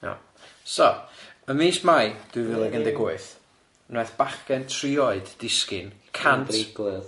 Iawn so ym mis Mai dwy fil ag undeg wyth nath bachgen tri oed disgyn cant... Camdreiglad...